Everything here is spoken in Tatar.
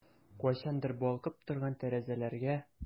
Кайчандыр балкып торган тәрәзәләргә...